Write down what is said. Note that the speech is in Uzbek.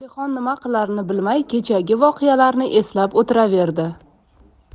zelixon nima qilarini bilmay kechagi voqealarni eslab o'tiraverdi